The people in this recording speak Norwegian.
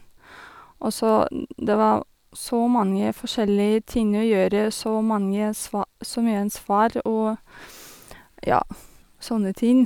Og så det var så mange forskjellige ting å gjøre, så mange sva så mye ansvar, og, ja, sånne ting.